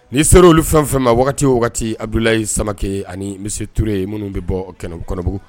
Ni serw olu fɛn fɛn ma wagati o waati wagati abulayi samakɛ ani misiur ye minnu bɛ bɔ kɛnɛ kɔnɔ